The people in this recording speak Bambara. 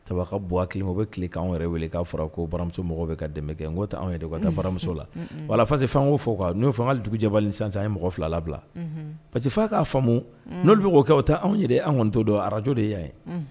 Ta ka buwaki ma bɛ tile k anw yɛrɛ weele k'a fɔra ko baramuso mɔgɔw bɛ ka dɛmɛ n'o anw yɛrɛ ka taa baramuso la walafase ko fɔ n'o fanga dugujɛba sansan ye mɔgɔ fila labila parce que fa k'a faamumu n'o de bɛ' kɛ taa anw yɛrɛ an kɔni to dɔn arajo de ye y'a ye